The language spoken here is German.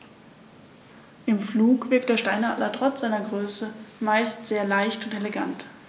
Im Flug wirkt der Steinadler trotz seiner Größe meist sehr leicht und elegant.